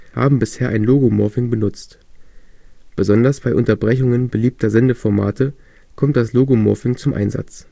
haben bisher ein Logomorphing benutzt. Besonders bei Unterbrechungen beliebter Sendeformate, kommt das Logomorphing zum Einsatz